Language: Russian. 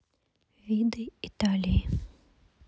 виды италии